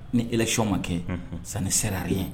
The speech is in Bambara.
Ni alasio ma kɛ san ni sere ye